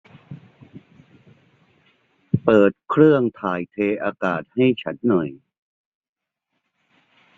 เปิดเครื่องถ่ายเทอากาศให้ฉันหน่อย